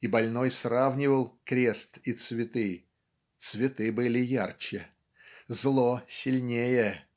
и больной сравнивал крест и цветы цветы были ярче. Зло сильнее.